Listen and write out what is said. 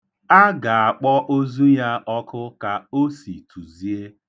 A ga-akpọ ozu ya ọkụ ka o si tụzie.